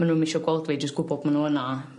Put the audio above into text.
ma' nw'm isio gweld fi jyst gwbod ma' n'w yna